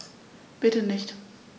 Bitte nicht.